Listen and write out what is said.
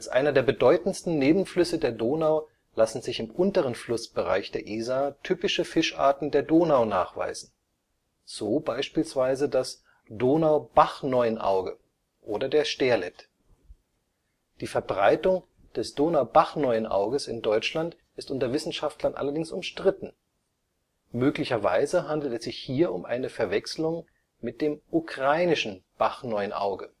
einer der bedeutendsten Nebenflüsse der Donau lassen sich im unteren Flussbereich der Isar typische Fischarten der Donau nachweisen, so beispielsweise das Donaubachneunauge oder der Sterlet. Die Verbreitung des Donaubachneunauges in Deutschland ist unter Wissenschaftlern allerdings umstritten; möglicherweise handelt es sich hier um eine Verwechslung mit dem Ukrainischen Bachneunauge